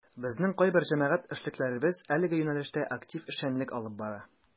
Безнең кайбер җәмәгать эшлеклеләребез әлеге юнәлештә актив эшчәнлек алып бара.